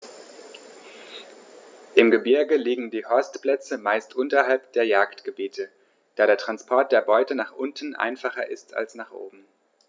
Im Gebirge liegen die Horstplätze meist unterhalb der Jagdgebiete, da der Transport der Beute nach unten einfacher ist als nach oben.